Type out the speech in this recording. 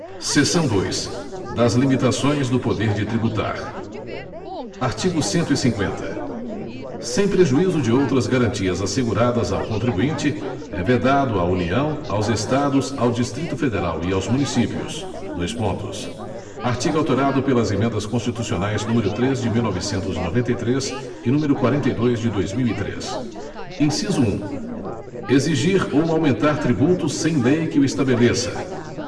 seção dois das limitações do poder de tributar artigo cento e cinquenta sem prejuízo de outras garantias asseguradas ao contribuinte é vedado à união aos estados ao distrito federal e aos municípios dois pontos artigo alterado pelas emendas constitucionais número três de mil novecentos e noventa e três e número quarenta e dois de dois mil e três inciso um exigir ou aumentar tributo sem lei que o estabeleça